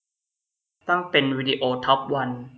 ตั้งเป็นวิดีโอทอปวัน